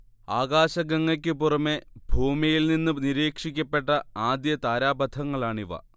ആകാശഗംഗയ്ക്ക് പുറമെ ഭൂമിയിൽ നിന്ന് നിരീക്ഷിക്കപ്പെട്ട ആദ്യ താരാപഥങ്ങളാണിവ